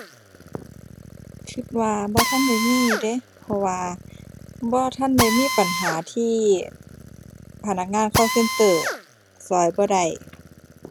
คิดว่าบ่ทันได้มีเดะ เพราะว่า บ่ทันได้มีปัญหาที่พนักงาน call center คิดบ่ได้